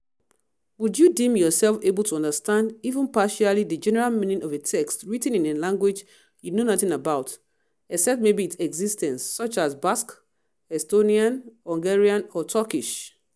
Would you deem yourself able to understand – even partially – the general meaning of a text written in a language you know nothing about (except maybe its existence) such as Basque, Estonian, Hungarian or Turkish?